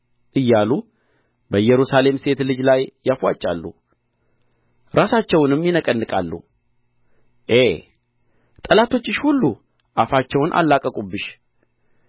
እያሉ በኢየሩሳሌም ሴት ልጅ ላይ ያፍዋጫሉ ራሳቸውንም ያነቃንቃሉ ዔ ጠላቶችሽ ሁሉ አፋቸውን አላቀቁብሽ